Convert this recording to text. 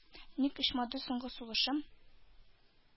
Ник очмады соңгы сулышым,